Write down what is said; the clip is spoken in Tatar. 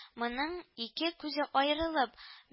Моның ике күзе аерылып